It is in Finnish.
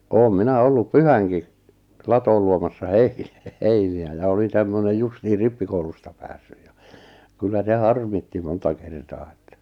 olen minä ollut pyhänkin latoon luomassa - heiniä ja olin tämmöinen justiin rippikoulusta päässyt ja kyllä se harmitti monta kertaa että